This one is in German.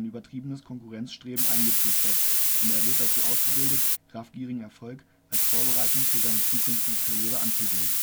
übertriebenes Konkurrenzstreben eingetrichtert und er wird dazu ausgebildet, raffgierigen Erfolg als Vorbereitung für seine zukünftige Karriere anzusehen